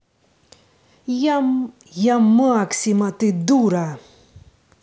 я максима ты дура